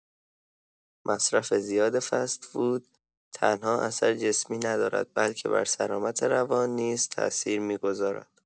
مصرف زیاد فست‌فود تنها اثر جسمی ندارد، بلکه بر سلامت روان نیز تأثیر می‌گذارد.